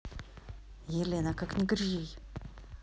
елена как не грей